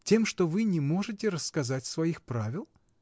Тем, что вы не можете рассказать своих правил?